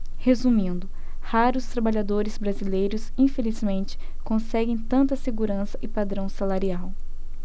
resumindo raros trabalhadores brasileiros infelizmente conseguem tanta segurança e padrão salarial